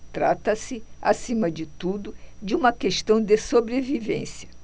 trata-se acima de tudo de uma questão de sobrevivência